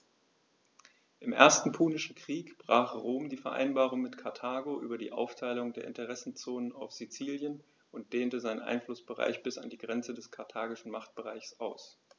Im Ersten Punischen Krieg brach Rom die Vereinbarung mit Karthago über die Aufteilung der Interessenzonen auf Sizilien und dehnte seinen Einflussbereich bis an die Grenze des karthagischen Machtbereichs aus.